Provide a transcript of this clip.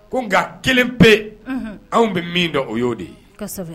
Ko nka kelen pe anw bɛ min o y ye o de ye